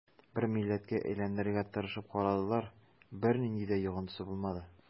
Бер милләткә әйләндерергә тырышып карадылар, бернинди дә йогынтысы булмады.